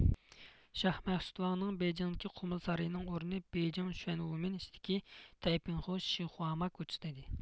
شاھ مەخسۇت ۋاڭنىڭ بېيجىڭدىكى قۇمۇل سارىيى نىڭ ئورنى بېيجىڭ شۈنۋومىن ئىچىدىكى تەيپىڭخۇ شىخۇما كوچىسىدا ئىدى